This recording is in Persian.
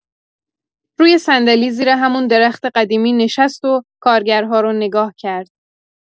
روی صندلی زیر همون درخت قدیمی نشست و کارگرها رو نگاه کرد.